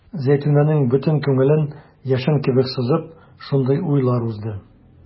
Зәйтүнәнең бөтен күңелен яшен кебек сызып шундый уйлар узды.